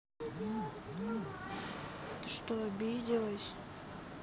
ты что обиделась